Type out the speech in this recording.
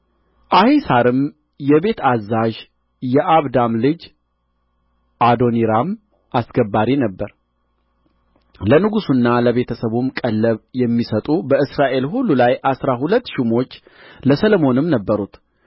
አሒሳርም የቤት አዛዥ የዓብዳም ልጅ አዶኒራም አስገባሪ ነበረ ለንጉሡና ለቤተ ሰቡም ቀለብ የሚሰጡ በእስራኤል ሁሉ ላይ አሥራ ሁለት ሹሞች ለሰሎሞን ነበሩት